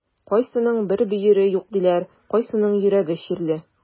Кайсының бер бөере юк диләр, кайсының йөрәге чирле.